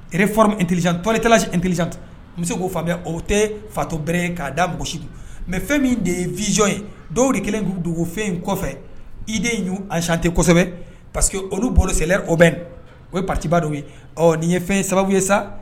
E fɔra t tɔlilasitu bɛ se k'o fan o tɛ fatob ye k'a da makosi mɛ fɛn min de ye vzɔn ye dɔw de kelen ku dugu fɛn in kɔfɛ i de y'u cte kosɛbɛ paseke que olu bolo sɛ o bɛ o ye paba don ye nin ye fɛn sababu ye sa